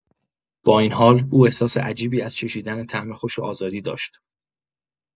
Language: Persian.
با این حال، او احساس عجیبی از چشیدن طعم خوش آزادی داشت.